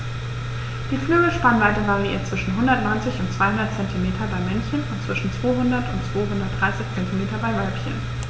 Die Flügelspannweite variiert zwischen 190 und 210 cm beim Männchen und zwischen 200 und 230 cm beim Weibchen.